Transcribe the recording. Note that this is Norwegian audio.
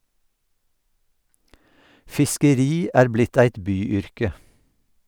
Fiskeri er blitt eit byyrke.